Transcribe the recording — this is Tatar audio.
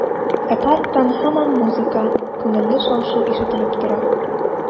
Ә парктан һаман музыка, күңелле шау-шу ишетелеп тора.